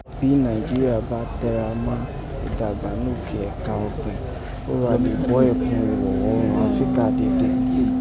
Bí Nàìjíríà bá tẹra má ìdàgbànókè ẹ̀ka ọ̀gbẹ̀n, ò ra lè bọ́ ẹ̀kun ìwọ̀ oòrùn Áfíríkà dede